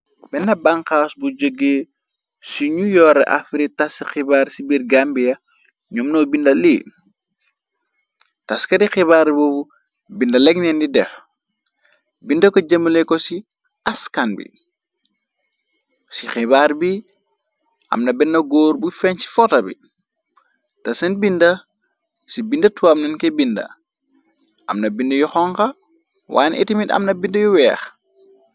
Benna banxas bu joggee ci ñu yoore afri tass xibaar ci biir Gambiya, ñoom ñoo binda lii, taskati xibaar bobu binda leknee di def binda ko jëmale ko ci askan bi, ci xibaar bi amna benna góor bu feñ ci fota bi te seen binda ci binda tubaab nanke binda, amna binda yu xonxa, waane itimit amna binda yu weex.